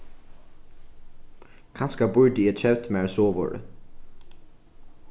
kanska burdi eg keypt mær sovorðið